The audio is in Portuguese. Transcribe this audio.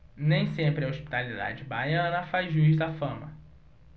nem sempre a hospitalidade baiana faz jus à fama